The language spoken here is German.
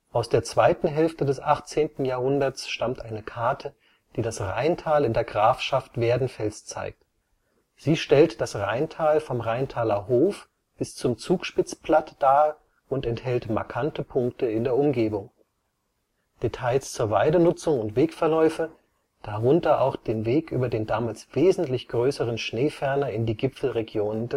Aus der zweiten Hälfte des 18. Jahrhunderts stammt eine Karte, die das Reintal in der Grafschaft Werdenfels zeigt. Sie stellt das Reintal vom Reintaler Hof bis zum Zugspitzplatt dar und enthält markante Punkte in der Umgebung, Details zur Weidenutzung und Wegverläufe, darunter auch den Weg über den damals wesentlich größeren Schneeferner in die Gipfelregionen